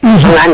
%hun